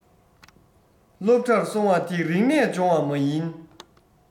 སློབ གྲྭར སོང བ དེ རིག གནས སྦྱོང བ མ ཡིན